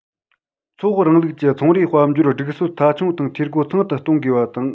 ཚོགས རིང ལུགས ཀྱི ཚོང རེའི དཔལ འབྱོར སྒྲིག སྲོལ མཐའ འཁྱོངས དང འཐུས སྒོ ཚང དུ གཏོང དགོས པ དང